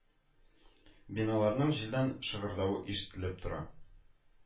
Биналарның җилдән шыгырдавы ишетелеп тора